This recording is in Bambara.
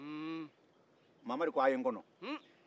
mamari ko a' ye n kɔnɔ